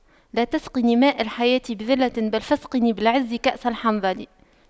لا تسقني ماء الحياة بذلة بل فاسقني بالعز كأس الحنظل